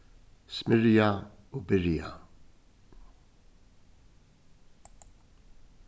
smyrja og byrja